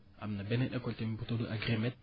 am na beneen école tamit bu tudd AGRIMED